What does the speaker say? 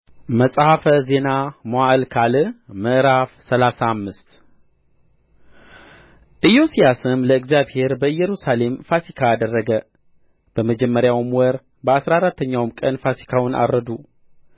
መጽሐፈ ዜና መዋዕል ካልዕ ምዕራፍ ሰላሳ አምሰት ኢዮስያስም ለእግዚአብሔር በኢየሩሳሌም ፋሲካ አደረገ በመጀመሪያውም ወር በአሥራ አራተኛው ቀን ፋሲካውን አረዱ